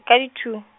ka di two.